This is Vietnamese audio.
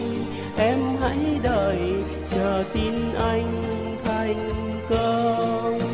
em hãy đời chờ tin anh thành công